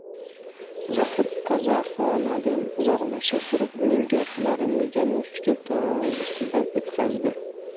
zohid azaxonadan uzoqlasha turib uning gap larini yana fikr tarozisidan o'tkazdi